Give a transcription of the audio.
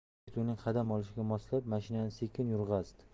yigit uning qadam olishiga moslab mashinani sekin yurg'izdi